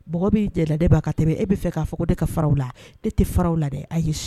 Bɛ tɛmɛ e bɛ fɛ k'a fɔ ko ka faraw la e tɛ faraw la dɛ